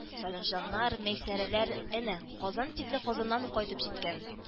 Салихҗаннар, Мәйсәрәләр, әнә, Казан тикле Казаннан ук кайтып җиткән